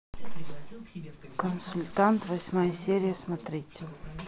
консультант восьмая серия смотреть